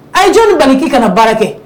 A ye jɔnni dan k'i ka na baara kɛ